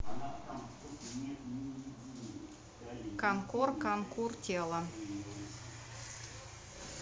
конкор конкур кола